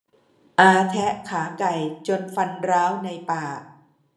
อาแทะขาไก่จนฟันร้าวในปาก